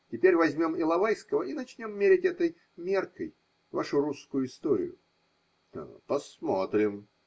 Теперь возьмем Иловайского и начнем мерить этой меркой вашу русскую историю. – Посмотрим.